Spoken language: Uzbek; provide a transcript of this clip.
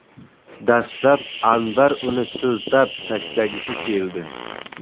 dastlab anvar uni siltab tashlagisi keldi